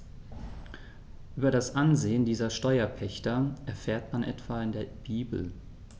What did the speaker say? Über das Ansehen dieser Steuerpächter erfährt man etwa in der Bibel.